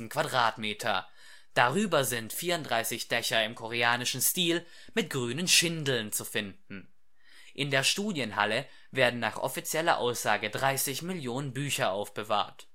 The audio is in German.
Quadratmeter, darüber sind 34 Dächer in koreanischem Stil mit grünen Schindeln zu finden. In der Studienhalle werden nach offizieller Aussage 30 Millionen Bücher aufbewahrt